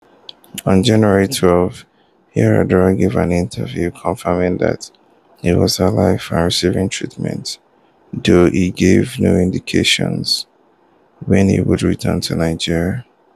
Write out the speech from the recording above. On January 12th, Yar'Adua gave an interview confirming that he was alive and receiving treatment, though he gave no indication when he would return to Nigeria.